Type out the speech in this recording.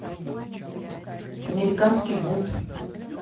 американский бунт